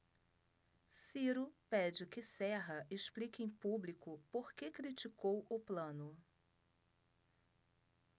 ciro pede que serra explique em público por que criticou plano